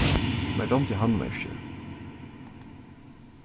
mær dámdi handverkið